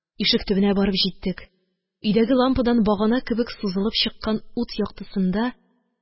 Ишек төбенә барып җиттек, өйдәге лампадан багана кебек сузылып чыккан ут яктысында